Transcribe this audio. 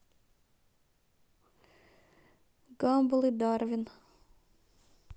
гамбл и дарвин